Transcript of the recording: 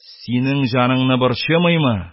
Синең җаныңны борчымыймы?